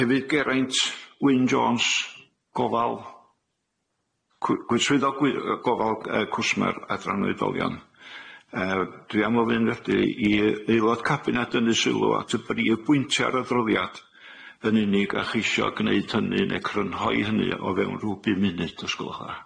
Hefyd Geraint Wyn Jones gofal cw- gweithreddogwy- yy gofal yy cwsmer adran o oedolion yy dwi am ofyn wedi i i aelod cabined yn y sylw at y brif bwyntiau ar y adroddiad yn unig a cheisio gneud hynny ne' crynhoi hynny o fewn rhw bum munud os gwelwch yn dda.